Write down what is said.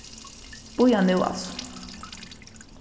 bíða nú altso